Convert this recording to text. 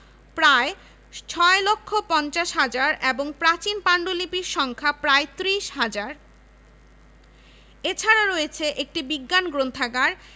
ছাত্র শিক্ষক কেন্দ্রের টিএসসি সাথে একীভূত হয় ফলে একই কমপ্লেক্সে বিভিন্ন ধরনের ক্রীড়া ও সংস্কৃতি চর্চা সম্ভব হয়